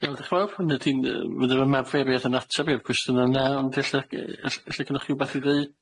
Iawn, diolch yn fawr. Hynny ydi, fydd- fydd yr ymarferiad yn atab i'r cwestiwn yna, ond ella gy- ell- ella gynnoch chi wbath i ddeu?